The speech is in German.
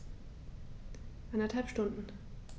Eineinhalb Stunden